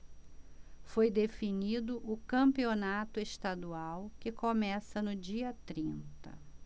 foi definido o campeonato estadual que começa no dia trinta